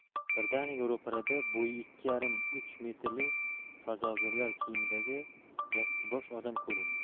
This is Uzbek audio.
birdaniga ro'parada bo'yi ikki yarim uch metrli fazogirlar kiyimidagi yassibosh odam ko'rindi